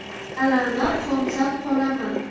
dalani qo'msab qolaman